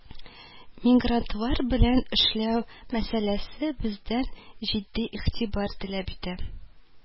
“мигрантлар белән эшләү мәсьәләсе бездән җитди игътибар таләп итә